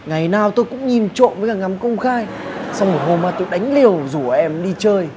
ngày nào tôi cũng nhìn trộm với cả ngắm công khai xong một hôm á tôi đánh liều rủ em ấy đi chơi